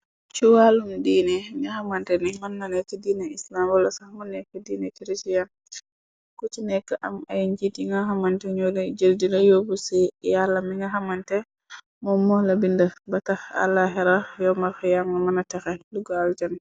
Chu wàlum deenè, nyo hamantene mat nala ci deenè Islam wala sah mu nekk deenè Christian. Ku chi nekk am ay njit nyo ley jël dila yobu ci Yallah mi nga hamantene mum mo la binda batah allahira yëwmal hiyama buna tëhè dugu al jannah.